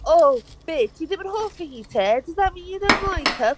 O be, ti ddim yn hoffi hi te? "Does that mean you don't like her?"